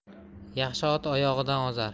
yaxshi ot oyog'idan ozar